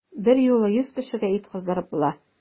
Берьюлы йөз кешегә ит кыздырып була!